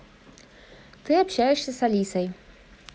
ты общаешься с алисой